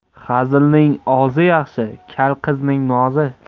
hazilning ozi yaxshi kal qizning nozi